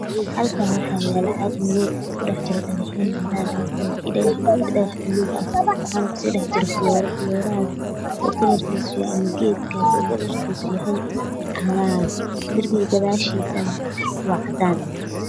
Halkaan waxaa yaalo caag madow ah oo kujiro dhagax cadaan ah, dhagax gaduud ah iyo dhagax buluug ah. waxaa kusii dhex jiro geedo fiyoore ah kalarkiisu waa cagaar, darbiga waa cadaan.